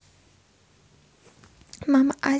мама азия